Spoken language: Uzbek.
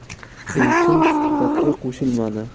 elchin suhbatga qo'shilmadi